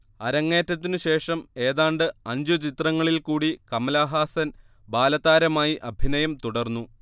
അരങ്ങേറ്റത്തിനു ശേഷം ഏതാണ്ട് അഞ്ചു ചിത്രങ്ങളിൽകൂടി കമലഹാസൻ ബാലതാരമായി അഭിനയം തുടർന്നു